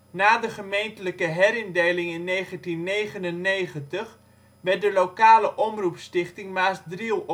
Na de gemeentelijke herindeling in 1999 werd de lokale omroep stichting Maasdriel opgericht